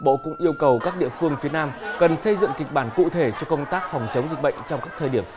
bộ cũng yêu cầu các địa phương phía nam cần xây dựng kịch bản cụ thể cho công tác phòng chống dịch bệnh trong các thời điểm